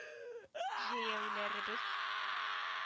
Җәяүләребез